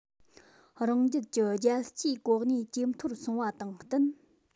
རང རྒྱལ གྱི རྒྱལ སྤྱིའི གོ གནས ཇེ མཐོར སོང བ དང བསྟུན